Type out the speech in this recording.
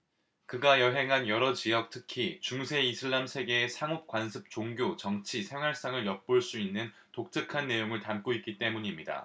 그가 여행한 여러 지역 특히 중세 이슬람 세계의 상업 관습 종교 정치 생활상을 엿볼 수 있는 독특한 내용을 담고 있기 때문입니다